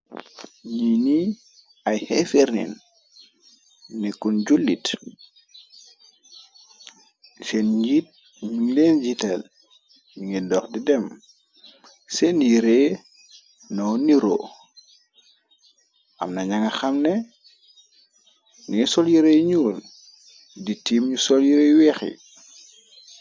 Ñi ñi ay hefernin nekkun jullit seen leen jiitel di ngi dox di dem seen yiree naw niro amna ñanga xamne ningi sol yirey nuul di tiim ñu sol yirey weex yi.